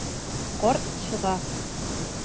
Карт чыга.